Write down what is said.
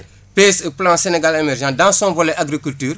PSE plan Sénégl émergent dans son volet agriculture